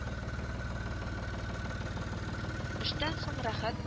Эштән соң рәхәт